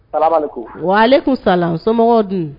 Bala ko wa kun sa somɔgɔw dun